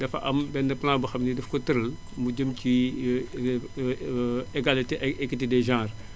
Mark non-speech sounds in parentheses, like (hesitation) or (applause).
dafa am benn plan boo xam ne dafa ko tëral mu jëm cii (hesitation) égalité ak équité des genres